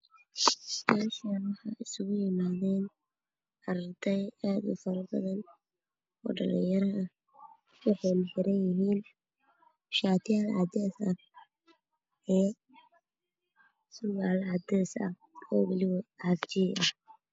Meshan waxa iskuku imadan arday aad ufara badan oo dhalin yaro ah waxeyna ciranyahin shatiyan cades ah io sirwal cades oo hafjey ah